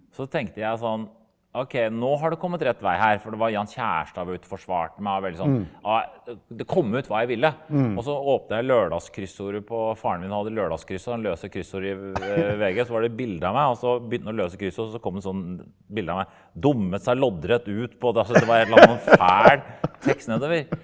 så tenkte jeg sånn ok nå har det kommet rett vei her for det var Jan Kjærstad var ute og forsvarte meg og veldig sånn nei det kom ut hva jeg ville og så åpner jeg lørdagskryssordet på faren min hadde lørdagskryssordet han løser kryssordet i VG så var det bilde av meg og så begynte han å løse kryssordet og så kom det sånn bilde av meg dummet seg loddrett ut på altså det var et eller annet sånn fæl tekst nedover.